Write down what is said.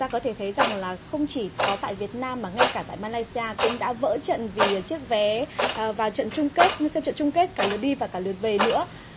ta có thể thấy rằng là không chỉ có tại việt nam mà ngay cả tại ma lai si a cũng đã vỡ trận vì chiếc vé vào trận chung kết sau trận chung kết cả lượt đi và cả lượt về nữa